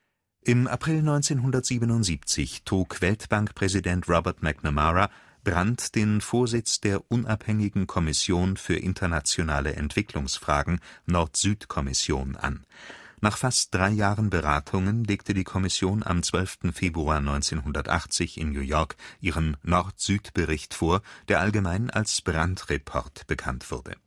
Im April 1977 trug Weltbankpräsident Robert McNamara Brandt den Vorsitz der „ Unabhängigen Kommission für Internationale Entwicklungsfragen “(Nord-Süd-Kommission) an. Nach fast drei Jahren Beratungen legte die Kommission am 12. Februar 1980 in New York ihren Nord-Süd-Bericht vor, der allgemein als „ Brandt-Report “bekannt wurde